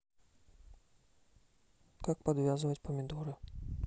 как подвязывать помидоры